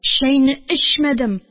Чәйне эчмәдем